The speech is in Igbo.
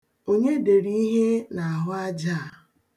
Onye dere ihe n'ahụaja a?